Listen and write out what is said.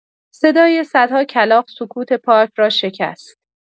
صدای صدها کلاغ، سکوت پارک را شکست.